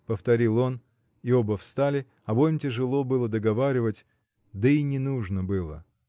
— повторил он, и оба встали, обоим тяжело было договаривать, да и не нужно было.